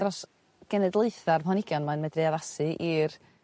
Dros genedlaetha'r planhigion 'ma yn medru addasu i'r